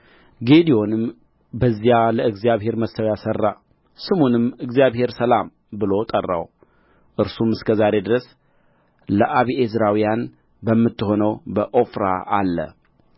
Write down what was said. ጌዴዎንም በዚያ ለእግዚአብሔር መሠዊያ ሠራ ስሙንም እግዚአብሔር ሰላም ብሎ ጠራው እርሱም እስከ ዛሬ ድረስ ለአቢዔዝራውያን በምትሆነው በዖፍራ አለ